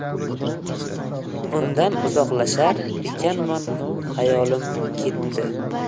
undan uzoqlashar ekanman xayolim ketdi